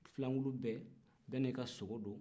furabolo bɛ bɛɛ n'i ka sogo don